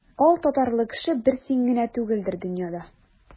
Алтатарлы кеше бер син генә түгелдер дөньяда.